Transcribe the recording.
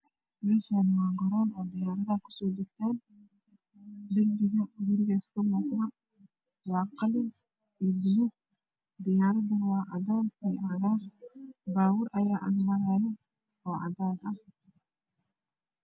Meshanwa garoon oo diyaraaaha ku soo dagtaan darpiga gurigaas akmuuqdo waa qalin iyo paluug diyaarada waa cagaar iyo cadaan papuur ayaa ag maraayo oo cadaana ah